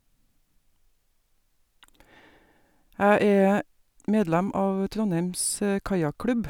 Jeg er medlem av Trondheims Kajakklubb.